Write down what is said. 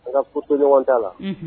An ŋa ko to ɲɔgɔn ta la unhun